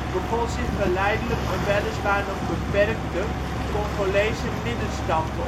begon zich geleidelijk een weliswaar nog beperkte Congolese middenstand